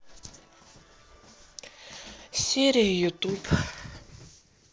серия ютуб